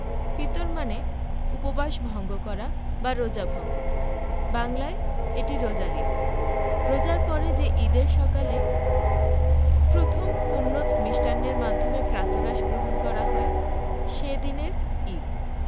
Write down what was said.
ফিতর মানে উপবাস ভঙ্গ করা বা রোজা ভঙ্গন বাংলায় এটি রোজার ঈদ রোজার পরে যে ঈদের সকালে প্রথম সুন্নত মিষ্টান্নের মাধ্যমে প্রাতরাশ গ্রহণ করা হয় সে দিনের ঈদ